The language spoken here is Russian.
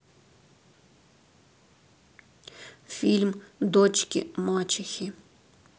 фильм дочки мачехи